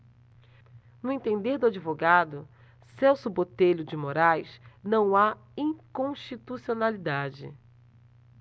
no entender do advogado celso botelho de moraes não há inconstitucionalidade